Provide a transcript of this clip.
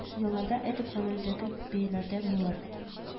- елларда этп гамәлдәге бәяләрдә млрд